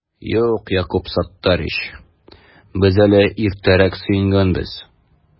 Юк, Якуб Саттарич, без әле иртәрәк сөенгәнбез